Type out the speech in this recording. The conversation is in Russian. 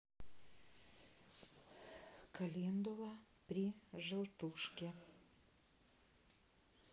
календула при желтушке